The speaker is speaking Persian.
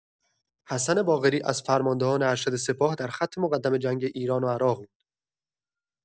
حسن باقری، از فرماندهان ارشد سپاه در خط مقدم جنگ ایران و عراق بود.